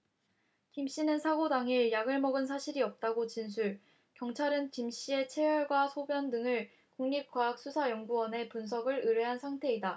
김씨는 사고 당일 약을 먹은 사실이 없다고 진술 경찰은 김씨의 채혈과 소변 등을 국립과학수사연구원에 분석을 의뢰한 상태이다